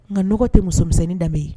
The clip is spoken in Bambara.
Nka nɔgɔ tɛ musomisɛnnin danbe ye.